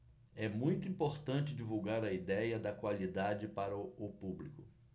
é muito importante divulgar a idéia da qualidade para o público